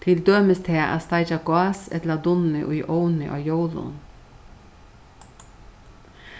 til dømis tað at steikja gás ella dunnu í ovni á jólum